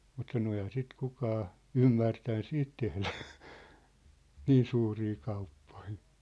mutta sanoi eihän sitten kukaan ymmärtänyt sitten tehdä niin suuria kauppoja